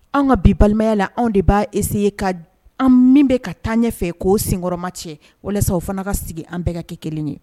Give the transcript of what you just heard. An ka bi balimaya la anw de b'a ese ye ka an min bɛ ka taa ɲɛ fɛ k'o senkɔrɔma cɛ walasa o fana ka sigi an bɛɛ ka kɛ kelen ye